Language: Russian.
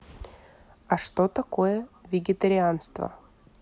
а что такое вегетарианство